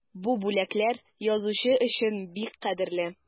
Бу бүләкләр язучы өчен бик кадерле.